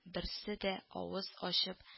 Берсе дә авыз ачып